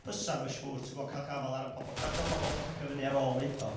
bysa ma siŵr, ti'n gwybod, cael gafael ar y bobl. Ma' tibod pobl 'di popio fyny ar ôl wneud o.